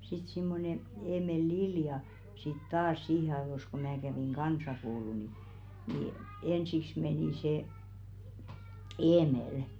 sitten semmoinen Eemeli Lilja sitten taas siihen ajoissa kun minä kävin kansakoulua niin niin ensiksi meni se Eemeli